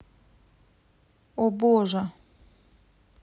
о боже